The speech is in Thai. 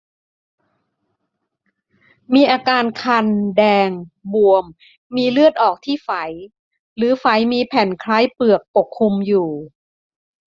มีอาการคันแดงบวมมีเลือดออกที่ไฝหรือไฝมีแผ่นคล้ายเปลือกปกคลุมอยู่